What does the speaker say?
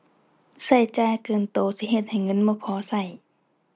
ใช้จ่ายเกินใช้ สิเฮ็ดให้เงินบ่พอใช้